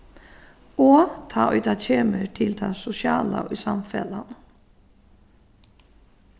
og tá ið tað kemur til tað sosiala í samfelagnum